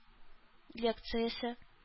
Лекциясе